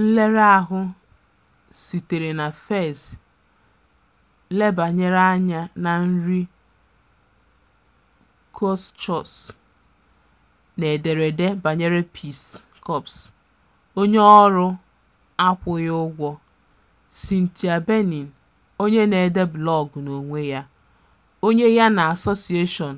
Nlere ahụ sitere na Fez lebanyere anya na nri couscous n'ederede banyere Peace Corps onyeọrụ akwụghị ụgwọ Cynthia Berning (onye na-ede blọọgụ n'onwe ya), onye ya na Association